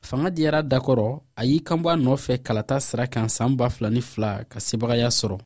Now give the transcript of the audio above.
fanga diyara a da kɔrɔ a y'i kanbɔ a nɔfɛ kalata sira kan san 2002 ka sebagaya sɔrɔ